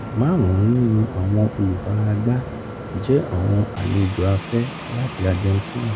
Márùn-ún nínu àwọn olùfaragbá jẹ́ àwọn àlejò afẹ́ láti Argentina.